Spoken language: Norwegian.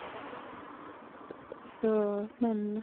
Så, men...